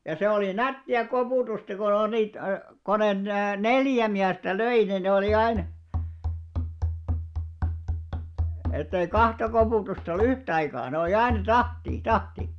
ja se oli nättiä koputusta kun on niitä kun ne neljä miestä löi niin ne oli aina että ei kahta koputusta ollut yhtä aikaa ne oli aina tahtiin tahti